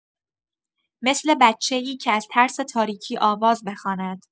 مثل بچه‌ای که از ترس تاریکی آواز بخواند.